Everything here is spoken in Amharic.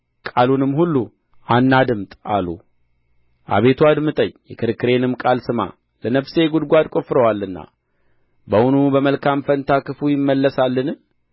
ቃሉንም ሁሉ አናድምጥ አሉ አቤቱ አድምጠኝ የክርክሬንም ቃል ስማ ለነፍሴ ጕድጓድ ቈፍረዋልና በውኑ በመልካም ፋንታ ክፉ ይመለሳልን